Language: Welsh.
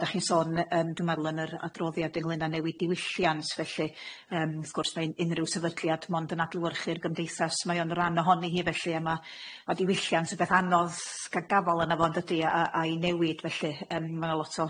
ydach chi'n sôn yym dwi'n meddwl yn yr adroddiad ynglŷn â newid diwylliant felly yym wrth gwrs mae'n unrhyw sefydliad mond yn adlewyrchu'r gymeithas mae'n rhan ohoni hi felly a ma' a diwylliant ywbeth anodd s- ca'l gafal yno fo yndydi a a i newid felly yym ma' lot o